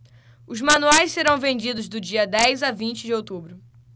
os manuais serão vendidos do dia dez a vinte de outubro